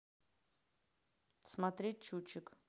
смотреть чучик